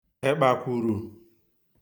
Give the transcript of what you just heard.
èkpàkwùrù